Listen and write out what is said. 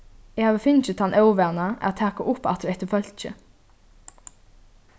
eg havi fingið tann óvana at taka upp aftur eftir fólki